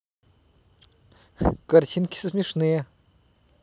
картинки смешные